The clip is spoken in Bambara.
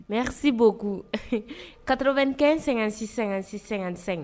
Mɛ asi b'o ko katooro bɛ kɛ sɛgɛn-sɛ-sɛ-sɛ